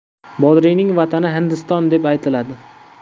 bodringning vatani hindiston deb aytiladi